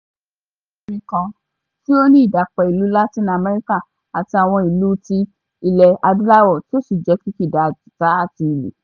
Oríṣi orin kan tí ó ní ìdàpọ̀ ìlù Latin America àti àwọn ìlù ti Ilẹ̀ Adúláwò, tí ó sì jẹ́ kìkìdá jìtá àti ìlù.